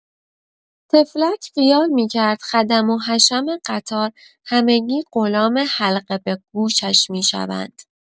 طفلک خیال می‌کرد خدم و حشم قطار همگی غلام حلقه به گوشش می‌شوند.